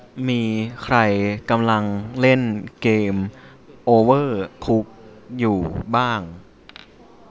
มีใครกำลังเล่นเกมโอเวอร์คุกอยู่บ้าง